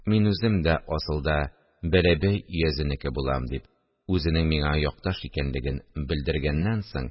Мин үзем дә, асылда, Бәләбәй өязенеке булам, – дип, үзенең миңа якташ икәнлеген белдергәннән соң: